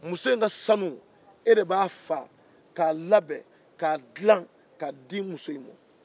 e de bɛ bɛ muso in ka sanu labɛn k'a di a ma